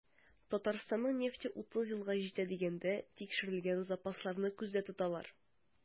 Татарстанның нефте 30 елга җитә дигәндә, тикшерелгән запасларны күздә тоталар.